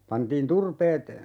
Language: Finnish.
pantiin turpeet